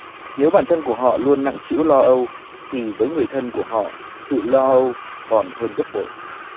nếu bản thân của họ luôn nặng trĩu lo âu thì với người thân của họ sự lo âu còn hơn gấp bội